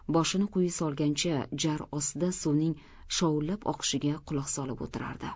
boshini quyi solgancha jar ostida suvning shovillab oqishiga quloq solib o'tirardi